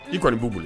I kɔni b'u boli